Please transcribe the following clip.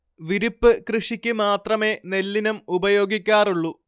വിരിപ്പ് കൃഷിക്ക് മാത്രമേ നെല്ലിനം ഉപയോഗിക്കാറുള്ളൂ